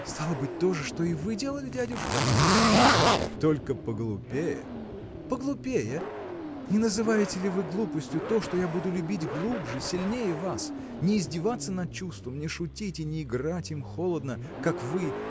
– Стало быть, то же, что и вы делали, дядюшка? – Да, только поглупее. – Поглупее! Не называете ли вы глупостью то что я буду любить глубже сильнее вас не издеваться над чувством не шутить и не играть им холодно как вы.